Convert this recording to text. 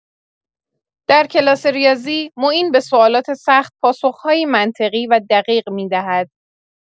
در کلاس ریاضی، معین به سؤالات سخت پاسخ‌هایی منطقی و دقیق می‌دهد.